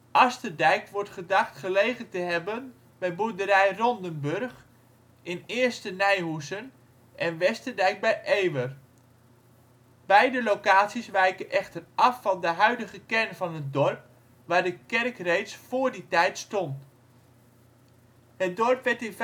Asterdyk wordt gedacht gelegen te hebben bij boerderij Rondenburg in 1e Nijhoezen en Westerdick bij Ewer. Beide locaties wijken echter af van de huidige kern van het dorp, waar de kerk reeds voor die tijd stond. Het dorp werd in 1582